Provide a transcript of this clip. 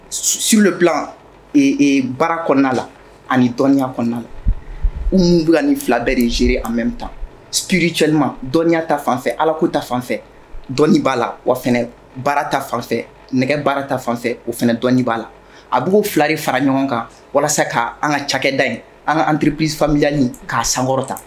Subila baara la ani dɔnniya kɔnɔna la u minnu bɛ nin fila bɛɛ zeere an bɛ tan kiricɛlima dɔnniya ta fanfɛ alako ta fanfɛ dɔn b'a la wa baara ta fanfɛ nɛgɛ baara ta fanfɛ o fana dɔni b'a la a b fila fara ɲɔgɔn kan walasa k' an ka cakɛda ye an ka anpiripsifabiani k'a sankɔrɔ ta